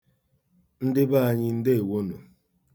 Ndị be anyị, ndeewonụ.